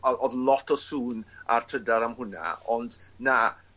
...a odd lot o sŵn ar Trydar am hwnna ond na